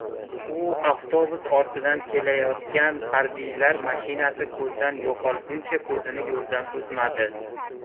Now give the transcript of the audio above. u avtobuslar ortidan kelayotgan harbiylar mashinasi ko'zdan yo'qolguncha ko'zini yo'ldan uzmadi